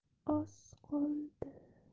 oz qold